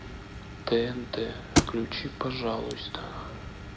тнт включи пожалуйста